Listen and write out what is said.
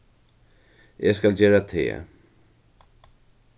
eg skal gera te